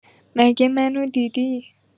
مگه منو دیدی